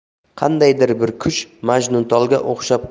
qandaydir bir kuch majnuntolga o'xshab